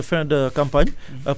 en cette fin de campagne